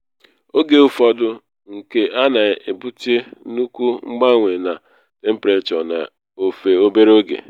Oge ụfọdụ nke a na ebute nnukwu mgbanwe na temprechọ n’ofe obere oge.